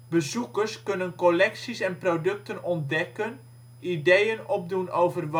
Bezoekers kunnen collecties en producten ontdekken, ideeën opdoen over